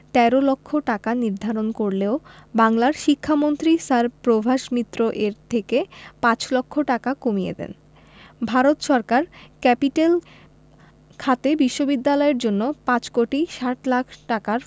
১৩ লক্ষ টাকা নির্ধারণ করলেও বাংলার শিক্ষামন্ত্রী স্যার প্রভাস মিত্র এর থেকে পাঁচ লক্ষ টাকা কমিয়ে দেন ভারত সরকার ক্যাপিটেল খাতে বিশ্ববিদ্যালয়ের জন্য ৫ কোটি ৬০ লাখ টাকার